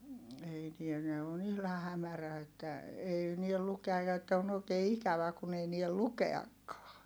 ei näe ne on ihan hämärä että ei näe lukea ja että on oikein ikävä kun ei näe lukeakaan